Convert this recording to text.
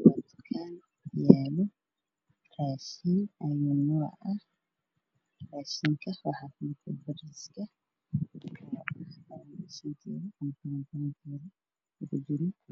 Waa dukaan yaalla raashin ayuu